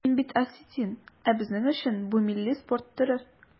Мин бит осетин, ә безнең өчен бу милли спорт төре.